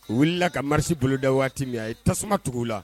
U wuli la k marche bolo da waati min , a ye tasuma tugu la.